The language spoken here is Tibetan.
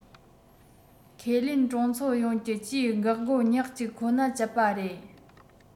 ཁས ལེན གྲོང ཚོ ཡོངས ཀྱི སྤྱིའི འགག སྒོ ཉག གཅིག ཁོ ན སྤྱད པ རེད